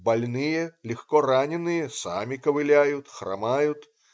Больные, легкораненые сами ковыляют, хромают.